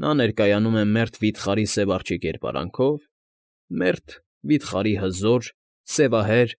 Նա ներկայանում է մերթ վիթխարի սև արջի կերպարանքով, մերթ վիթխարի, հզոր, սևահեր,